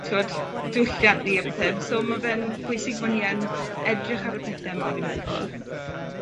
ti'wod diwylliant ni a pethe so ma' fe'n bwysig bo' ni yn edrych ar y pethe 'ma fi'n meddwl.